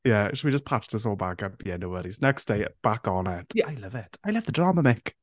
Yeah shall we just patch all this back up yeah no worries. Next day back on it... yeah. I love it! I love the drama Mick.